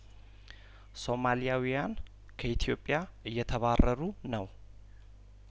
ሶማሊያውያን ከኢትዮጵያ እየተባረሩ ነው